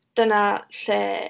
Dyna lle...